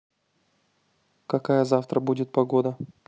какая завтра будет погода